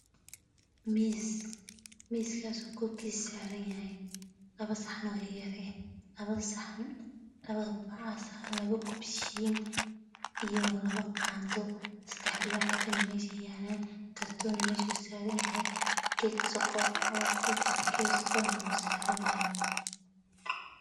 Miis misakaas oo korkiis saranyahay labo saxan oo yar yar eh labadsax labdab waxaa saran labo kubushiin iyo labo qando sadax biyo caafi meesh ey yalaan kartoon mesh ow sarnyahay geed sokor oo logu tal galay bakeeri sokorne wosarayahay